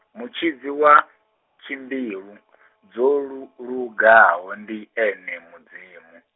mutshidzi wa, dzimbilu, dzolu- -lugaho, ndi ene Mudzimu.